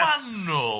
Wanwl.